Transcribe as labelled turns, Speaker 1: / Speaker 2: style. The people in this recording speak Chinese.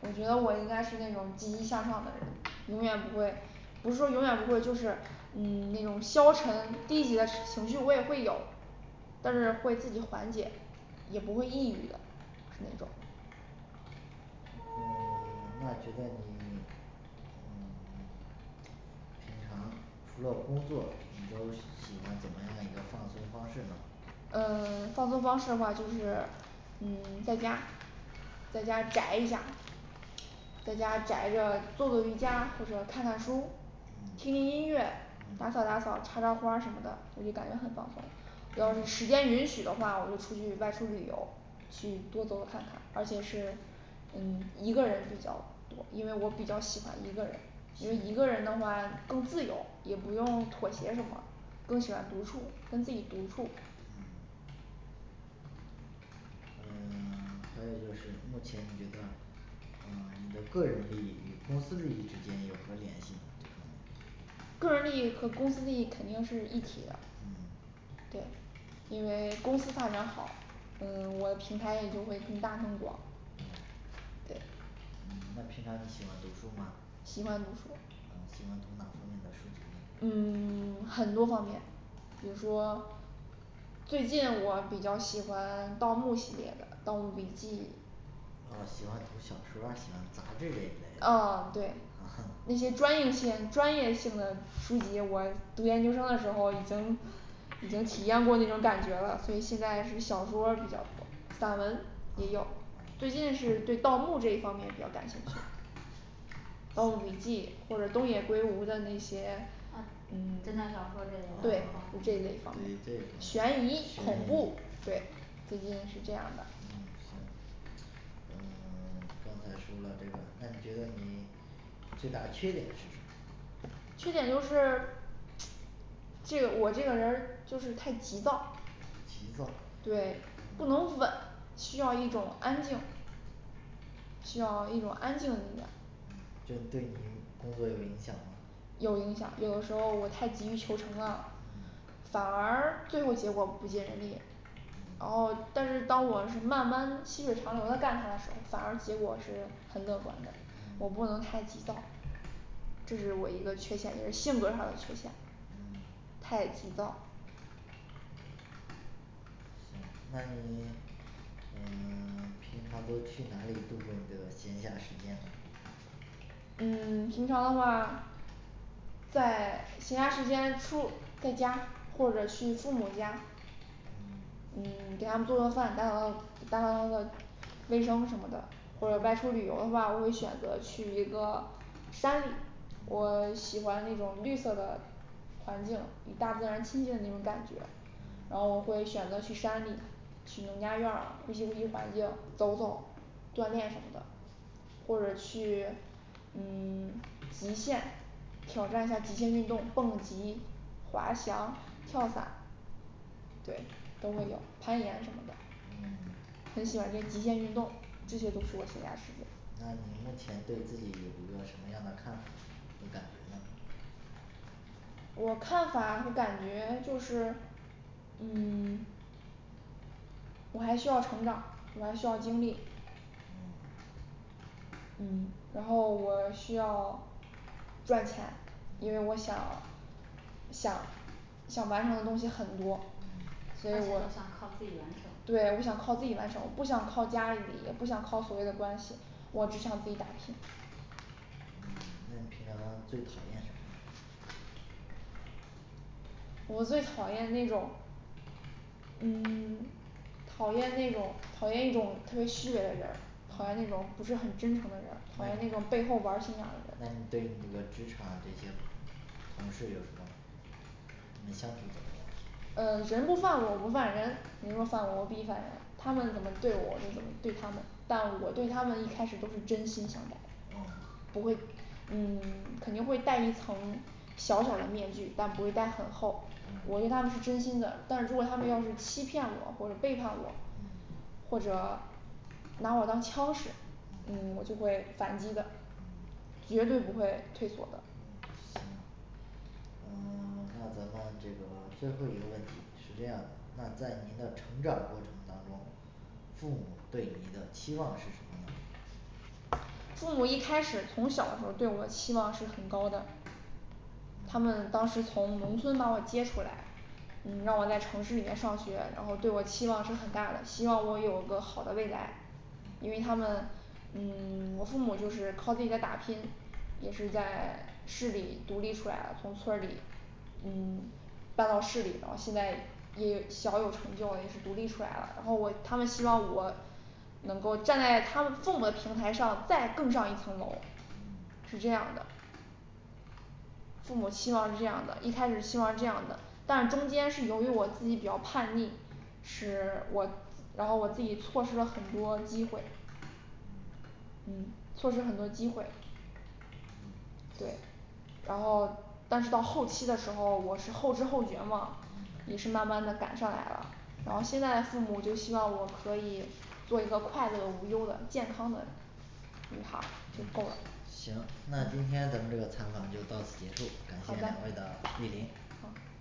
Speaker 1: 我觉得我应该是那种积极向上的人，永远不会不是说永远不会，就是嗯 那种消沉低级的吃 情绪我也会有但是会自己缓解，也不会抑郁的。是那种
Speaker 2: 呃 那觉得你 嗯 平常除了工作，你都喜喜欢怎么样一个放松方式呢
Speaker 1: 嗯 放松方式的话就是，嗯 在家在家宅一下在家宅着做做瑜伽，或者看看书，
Speaker 2: 嗯
Speaker 1: 听听音乐，打
Speaker 2: 嗯
Speaker 1: 扫打扫，插插花儿什么的，我就感觉很放松要是时间允许的话，我就出去外出旅游，去多走走看看，而且是 嗯一个人比较多，因为我比较喜欢一个人因为
Speaker 2: 行
Speaker 1: 一个人的话更自由，也不用妥协什么，更喜欢独处跟自己独处。
Speaker 2: 嗯呃 还有就是目前你觉得呃你的个人利益与公司利益之间有何联系呢这方面
Speaker 1: 个人利益和公司利益肯定是一体的
Speaker 2: 嗯。
Speaker 1: 对。因为公司发展好，嗯我的平台也就会更大，更广
Speaker 2: 嗯
Speaker 1: 对
Speaker 2: 嗯那平常你喜欢读书吗？啊
Speaker 1: 喜
Speaker 2: 喜
Speaker 1: 欢
Speaker 2: 欢
Speaker 1: 读
Speaker 2: 读
Speaker 1: 书
Speaker 2: 哪方面的书籍呢？
Speaker 1: 嗯 很多方面。比如说最近我比较喜欢盗墓系列的盗墓笔记
Speaker 2: 噢喜欢读小说儿，喜欢杂志这一类的
Speaker 1: 啊
Speaker 2: 啊
Speaker 1: 对 那些专业信专业性的书籍，我读研究生的时候已经已经体验过那种感觉了，所以现在是小说儿比较多，散文
Speaker 2: 啊啊
Speaker 1: 也有 最近是对盗墓这一方面比较感兴趣盗墓笔记或者东野圭吾的那些
Speaker 3: 啊
Speaker 1: 嗯，
Speaker 3: 侦探小说儿
Speaker 2: 啊
Speaker 3: 这类
Speaker 1: 对
Speaker 2: 对
Speaker 1: 这
Speaker 2: 这
Speaker 1: 类的
Speaker 2: 方面，
Speaker 1: 悬
Speaker 2: 悬疑
Speaker 1: 疑恐
Speaker 2: 嗯
Speaker 1: 怖对
Speaker 3: 嗯
Speaker 1: 最近是这样的
Speaker 2: 嗯行嗯 刚才说了这个那你觉得你最大缺点是什么
Speaker 1: 缺点就是 这个我这个人儿就是太急躁
Speaker 2: 急躁
Speaker 1: 对
Speaker 2: 嗯
Speaker 1: 不能稳需要一种安静需要一种安静的力量
Speaker 2: 嗯这对你工作有影响吗？
Speaker 1: 有影响，有时候我太急于求成了。
Speaker 2: 嗯
Speaker 1: 反而最后结果不尽人意。
Speaker 2: 嗯
Speaker 1: 然后但是当我是慢慢细水长流的干它的时候，反而结果是很乐观的，我
Speaker 2: 嗯
Speaker 1: 不可能太急躁这是我一个缺陷，也是性格上的缺陷，
Speaker 2: 嗯
Speaker 1: 太急躁
Speaker 2: 行那你 嗯 平常都去哪里度过你这个闲暇时间呢
Speaker 1: 嗯 平常的话在闲暇时间出在家或者去父母家
Speaker 2: 嗯
Speaker 1: 嗯 给他们做做饭打扫打扫打扫个卫生什么的或者外
Speaker 2: 嗯
Speaker 1: 出旅游的话我会选择去一个山里我喜欢那种绿色的环境与大自然亲近的那种感觉，
Speaker 2: 嗯
Speaker 1: 然后我会选择去山里去农家院儿呼吸呼吸环境走走锻炼什么的或者去嗯 极限挑战一下极限运动，蹦极、滑翔、跳伞对，都会有，攀岩什么的
Speaker 2: 嗯，
Speaker 1: 很喜欢这极限运动，这些都是
Speaker 2: 嗯
Speaker 1: 我暑假时间
Speaker 2: 那你目前对自己有一个什么样的看法和感觉呢
Speaker 1: 我看法和感觉就是嗯 我还需要成长，我还需要经历
Speaker 2: 嗯
Speaker 1: 嗯然后我需要赚钱，因为我
Speaker 2: 嗯
Speaker 1: 想想想完成的东西很多
Speaker 2: 嗯，
Speaker 1: 所以我，对，我
Speaker 3: 想
Speaker 1: 想
Speaker 3: 靠
Speaker 1: 靠
Speaker 3: 自
Speaker 1: 自
Speaker 3: 己完成
Speaker 1: 己完成，我不想靠家里，也不想靠所谓的关系我只想自己打拼
Speaker 2: 嗯那你平常最讨厌什么呢
Speaker 1: 我最讨厌那种嗯 讨厌那种，讨厌一种特别虚伪的人儿，讨厌那种
Speaker 2: 嗯
Speaker 1: 不是很真诚的人儿
Speaker 2: 那，
Speaker 1: 讨厌那种背后玩心眼儿的人，
Speaker 2: 那你对你这个职场这些同事有什么你们相处怎么样？
Speaker 1: 呃人不犯我我不犯人，人若犯我我必犯人，他们怎么对我我就怎么对他们，但我对他们一开始都是真心相待的
Speaker 2: 哦，
Speaker 1: 不会嗯 肯定会戴一层小小的面具，但不会戴很厚，
Speaker 2: 嗯
Speaker 1: 我对他们是真心的，但是如果他们要是欺骗我或者背叛我
Speaker 2: 嗯，
Speaker 1: 或者拿我当枪使，
Speaker 2: 嗯
Speaker 1: 嗯我就会反击的
Speaker 2: 嗯，
Speaker 1: 绝对不会退缩的
Speaker 2: 嗯行嗯 那咱们这个最后一个问题是这样的，那在您的成长过程当中父母对你的期望是什么呢
Speaker 1: 父母一开始从小时候儿对我期望是很高的
Speaker 2: 嗯
Speaker 1: 他们当时从农村把我接出来嗯让我在城市里面上学，然后对我期望是很大的，希望我有个好的未来。因为
Speaker 2: 嗯
Speaker 1: 他们嗯 我父母就是靠自己在打拼，也是在市里独立出来了，从村儿里嗯 搬到市里，然后现在也小有成就也是独立出来了，然后我他们希望我能够站在他们父母的平台上再更上一层楼
Speaker 2: 嗯。
Speaker 1: 是这样的父母期望是这样的，一开始希望这样的，但是中间是由于我自己比较叛逆使 我然后我自己错失了很多机会嗯错失很多机会
Speaker 2: 嗯
Speaker 1: 对然后但是到后期的时候我是后知后觉嘛，也是慢慢地赶上来了，然后现在父母就希望我可以做一个快乐无忧的健康的女孩儿就够了
Speaker 2: 行，那今天咱们这个采访就到此结束，感
Speaker 3: 好
Speaker 2: 谢两
Speaker 3: 的
Speaker 2: 位的莅临
Speaker 1: 好